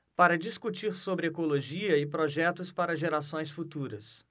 para discutir sobre ecologia e projetos para gerações futuras